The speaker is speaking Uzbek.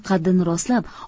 qaddini rostlab